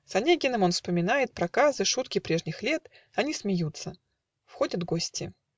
С Онегиным он вспоминает Проказы, шутки прежних лет. Они смеются. Входят гости.